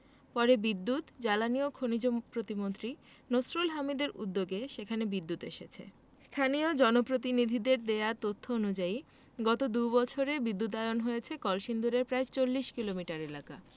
পরে বিদ্যুৎ জ্বালানি ও খনিজ সম্পদ প্রতিমন্ত্রী নসরুল হামিদদের উদ্যোগে সেখানে বিদ্যুৎ এসেছে স্থানীয় জনপ্রতিনিধিদের দেওয়া তথ্য অনুযায়ী গত দুই বছরে বিদ্যুতায়ন হয়েছে কলসিন্দুরের প্রায় ৪০ কিলোমিটার এলাকা